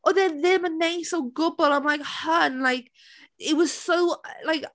Oedd e ddim yn neis o gwbl, I'm like, hon, like, it was so, like...